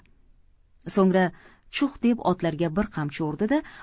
so'ngra chuh deb otlarga bir qamchi urdi da